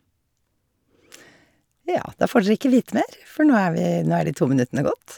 Ja, da får dere ikke vite mer, for nå er vi nå er de to minuttene gått.